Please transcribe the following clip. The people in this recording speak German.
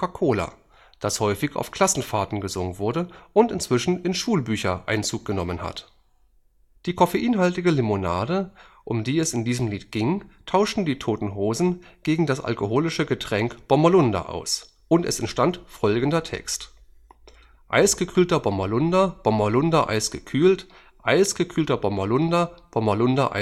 Coca-Cola, das häufig auf Klassenfahrten gesungen wurde und inzwischen in Schulbücher Einzug genommen hat. Die koffeinhaltige Limonade, um die es in diesem Lied ging, tauschten Die Toten Hosen gegen das alkoholische Getränk „ Bommerlunder “aus und es entstand folgender Text: „ Eisgekühlter Bommerlunder, Bommerlunder eisgekühlt; eisgekühlter Bommerlunder, Bommerlunder